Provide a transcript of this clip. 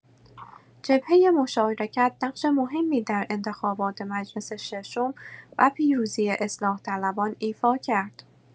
جبهه مشارکت نقش مهمی در انتخابات مجلس ششم و پیروزی اصلاح‌طلبان ایفا کرد.